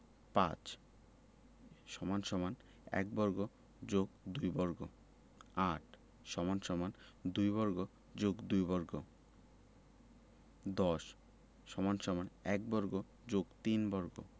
৫ = ১ বর্গ + ২ বর্গ ৮ = ২ বর্গ + ২ বর্গ ১০ = ১ বর্গ + ৩ বর্গ